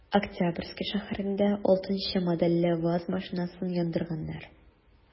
Октябрьский шәһәрендә 6 нчы модельле ваз машинасын яндырганнар.